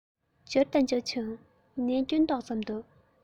འབྱོར ད འབྱོར བྱུང ཡིན ནའི སྐྱོན ཏོག ཙམ འདུག